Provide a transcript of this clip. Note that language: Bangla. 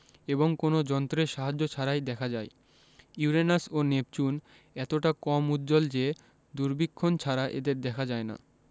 এবং কোনো যন্ত্রের সাহায্য ছাড়াই দেখা যায় ইউরেনাস ও নেপচুন এতটা কম উজ্জ্বল যে দূরবীক্ষণ ছাড়া এদের দেখা যায় না